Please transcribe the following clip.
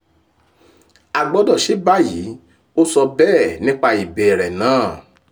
“A gbọ́dọ̀ ṣe báyìí," ó sọ bẹ́ẹ̀ nípa ìbẹ̀rẹ̀ náà.